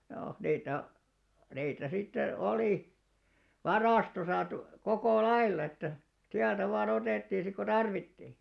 joo niitä niitä sitten oli varastossa - koko lailla että sieltä vain otettiin sitten kun tarvittiin